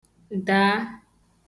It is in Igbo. dàa